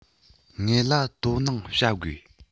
ངའི ལ དོ སྣང བྱ དགོས